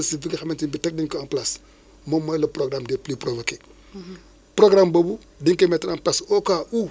comme ça béykat bi moom bu amee jafe-jafe ci yële mooy gerte beeg ak dugub bi ak yooyu